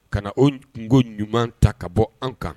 Ka na o tunko ɲuman ta ka bɔ an kan